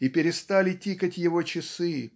и перестали гикать его часы